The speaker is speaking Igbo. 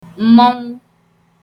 m̀mọnwụ